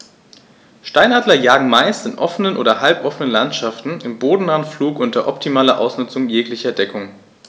Steinadler jagen meist in offenen oder halboffenen Landschaften im bodennahen Flug unter optimaler Ausnutzung jeglicher Deckung.